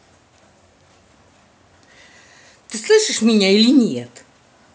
ты слышишь меня или нет